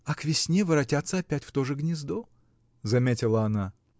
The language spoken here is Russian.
— А к весне воротятся опять в то же гнездо, — заметила она.